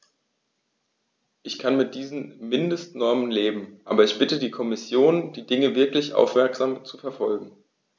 Ich kann mit diesen Mindestnormen leben, aber ich bitte die Kommission, die Dinge wirklich aufmerksam zu verfolgen.